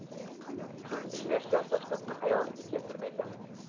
pul ishlashdan boshqasini hayolingga keltirmaysan